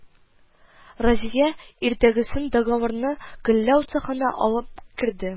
Разия иртәгесен договорны көлләү цехына алып керде